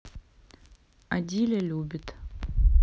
адиля любит